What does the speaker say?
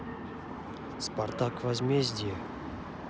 спартак возмездие